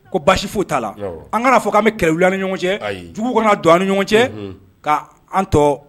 Ko basifu t'a la an kana fɔ an bɛ kɛlɛbu ni ɲɔgɔn cɛ jugu kɔnɔ ka don an ni ɲɔgɔn cɛ k' an tɔ